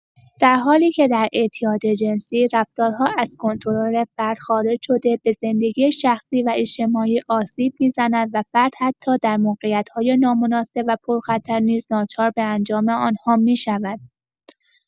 در حالی که در اعتیاد جنسی، رفتارها از کنترل فرد خارج شده، به زندگی شخصی و اجتماعی آسیب می‌زنند و فرد حتی در موقعیت‌های نامناسب و پرخطر نیز ناچار به انجام آن‌ها می‌شود.